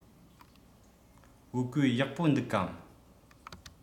བོད གོས ཡག པོ འདུག གམ